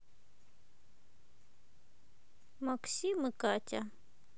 максим и катя